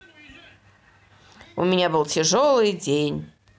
у меня был тяжелый день